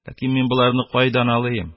Ләкин мин боларны кайдан алыйм?